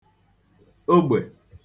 ogbè